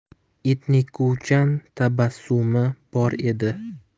entikuvchan tabassummi bor edi